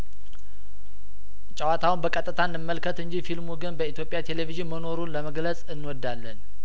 ጨዋታውን በቀጥታ እንመልከት እንጂ ፊልሙ ግን በኢትዮጵያ ቴሌቪዥን መኖሩን ለመግለጽ እንወዳለን